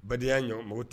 Badenya y' jɔ mɔgɔ tɛ